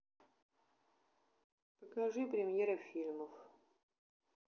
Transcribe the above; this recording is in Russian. покажи премьеры фильмов